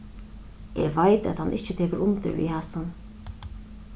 eg veit at hann ikki tekur undir við hasum